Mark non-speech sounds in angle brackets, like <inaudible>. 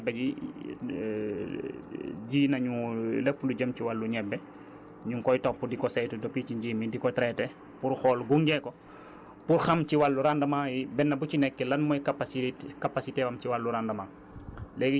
surtout ñebe ji <hesitation> ji nañu <hesitation> lépp lu jëm ci wàllu ñebe ñu ngi koy topp di ko saytu depuis ci nji mi di ko traité pour xool gunge ko pour xam ci wàllu rendement yi benn bu ci nekk lan mooy capacité capacité am ci wàllu rendement